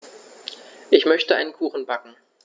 Ich möchte einen Kuchen backen.